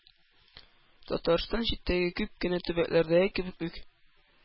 Татарстаннан читтәге күп кенә төбәкләрдәге кебек үк,